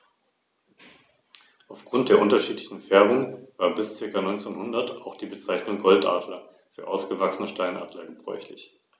In den wenigen beobachteten Fällen wurden diese großen Beutetiere innerhalb von Sekunden getötet.